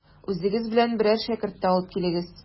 Үзегез белән берәр шәкерт тә алып килегез.